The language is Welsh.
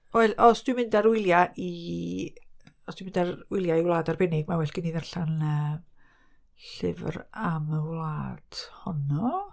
Wel os dwi'n mynd ar wyliau i... os dwi'n mynd ar wyliau i wlad arbennig, mae'n well gen i ddarllen yy llyfr am y wlad honno.